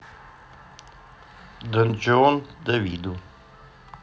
dungeon давиду